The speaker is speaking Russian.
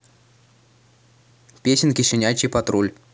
песенки щенячий патруль